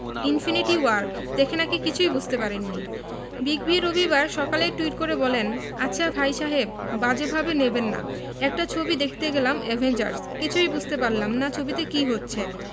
infinity war দেখে নাকি কিছুই বুঝতে পারেননি বিগ বি রবিবার সকালে টুইট করে বলেন আচ্ছা ভাই সাহেব বাজে ভাবে নেবেন না একটা ছবি দেখতে গেলাম অ্যাভেঞ্জার্স কিছু বুঝতেই পারলাম না ছবিতে কী হচ্ছে